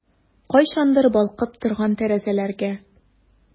Кайчандыр балкып торган тәрәзәләргә...